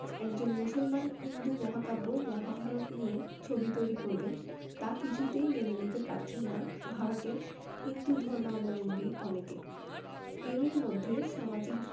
একজন মুসলমান হিন্দু মহাকাব্য মহাভারত নিয়ে ছবি তৈরি করবেন তা কিছুতেই মেনে নিতে পারছেন না ভারতের হিন্দুধর্মাবলম্বী অনেকে এরই মধ্যে সামাজিক